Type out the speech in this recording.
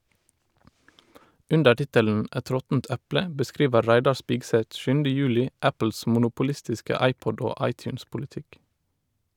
Under tittelen "Et råttent eple" beskriver Reidar Spigseth sjuende juli Apples monopolistiske iPod- og iTunes-politikk.